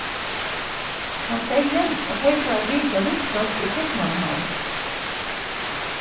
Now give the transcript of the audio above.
hann segði at tey fara at vitja vinfólk í keypmannahavn